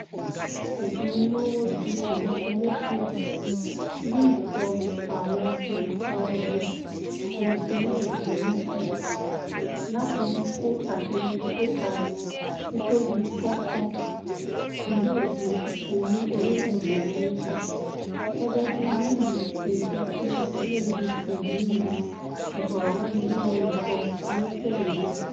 Sísọ ìfúnnilówó dí ìlọ́poméjì leè sọ àwọn ìṣọwọṣéeṣe náà di méjì láti ríi pé àṣeyọrí AI títóbi tókàn ní yóò di ṣíṣe ní orílẹ̀-èdè U.S., gẹ́gẹ́ bíi Lee ṣe sọ fún CNBC nínú ìfọ̀rọ̀wánilẹ́nuwò kan lọ̣́̀sẹ́ yìí.